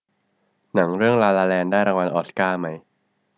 หนังเรื่องลาลาแลนด์ได้รางวัลออสการ์มั้ย